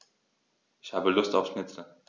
Ich habe Lust auf Schnitzel.